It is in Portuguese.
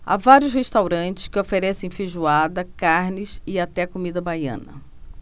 há vários restaurantes que oferecem feijoada carnes e até comida baiana